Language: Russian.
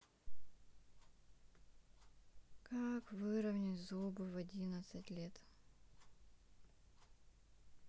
как выровнять зубы в одиннадцать лет